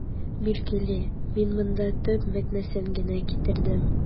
Билгеле, мин монда төп мәгънәсен генә китердем.